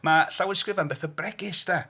Mae llawysgrifau'n bethau bregus 'de.